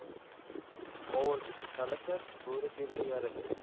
ovul iti talashar bo'ri kelsa yarashar